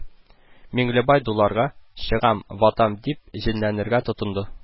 Миңлебай дуларга, "чыгам, ватам", дип җенләнергә тотынды